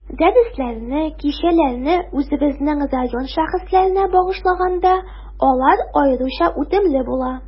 Дәресләрне, кичәләрне үзебезнең район шәхесләренә багышлаганда, алар аеруча үтемле була.